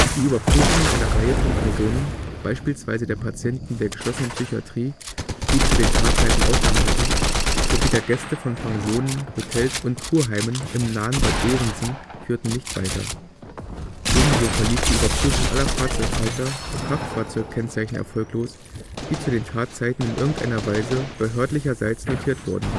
Überprüfungen einer Reihe von Personen, beispielsweise der Patienten der geschlossenen Psychiatrie, die zu den Tatzeiten Ausgang hatten, sowie der Gäste von Pensionen, Hotels und Kurheimen im nahen Bad Bevensen, führten nicht weiter. Ebenso verlief die Überprüfung aller Fahrzeughalter zu Kraftfahrzeugkennzeichen erfolglos, die zu den Tatzeiten in irgendeiner Weise behördlicherseits notiert worden